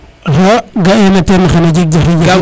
a ga ena teen xano jeg jafa jafe